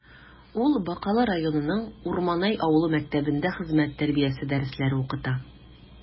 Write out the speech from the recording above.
Ул Бакалы районының Урманай авылы мәктәбендә хезмәт тәрбиясе дәресләре укыта.